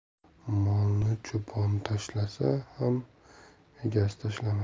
molni cho'pon tashlasa ham egasi tashlamas